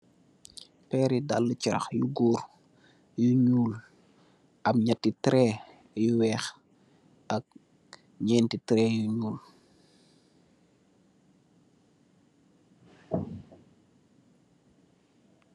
Pééri dalli carax yu gór yu ñuul am ñetti teré yu wèèx ak ñénti teré yu ñuul.